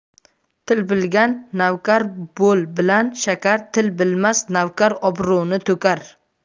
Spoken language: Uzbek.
til bilgan navkar bol bilan shakar til bilmas navkar obro'ni to'kar